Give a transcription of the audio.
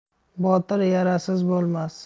botir yarasiz bo'lmas